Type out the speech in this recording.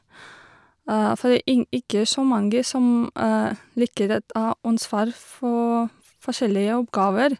For ing ikke så mange som liker at ta ansvar for f forskjellige oppgaver.